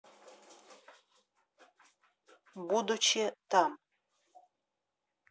будучи там